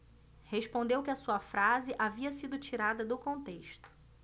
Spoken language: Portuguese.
respondeu que a sua frase havia sido tirada do contexto